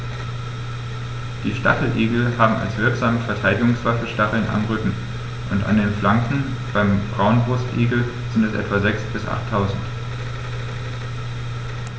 Die Stacheligel haben als wirksame Verteidigungswaffe Stacheln am Rücken und an den Flanken (beim Braunbrustigel sind es etwa sechs- bis achttausend).